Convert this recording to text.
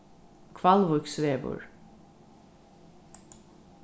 hvalvíksvegur